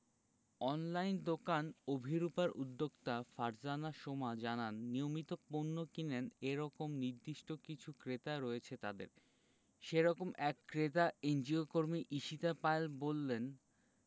online দোকান অভিরুপার উদ্যোক্তা ফারজানা সোমা জানান নিয়মিত পণ্য কেনেন এ রকম নির্দিষ্ট কিছু ক্রেতা রয়েছে তাঁদের সে রকম এক ক্রেতা এনজিওকর্মী ঈশিতা পায়েল বললেন